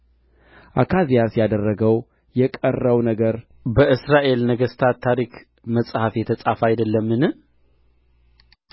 ኤልያስም እንደ ተናገረው እንደ እግዚአብሔር ቃል ሞተ ልጅም አልነበረውምና በይሁዳ ንጉሥ በኢዮሣፍጥ ልጅ በኢዮራም በሁለተኛው ዓመት ወንድሙ ኢዮራም በእርሱ ፋንታ ነገሠ